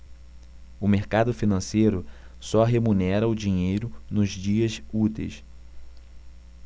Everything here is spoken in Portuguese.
o mercado financeiro só remunera o dinheiro nos dias úteis